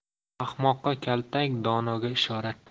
ahmoqqa kaltak donoga ishorat